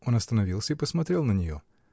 Он остановился и посмотрел на нее.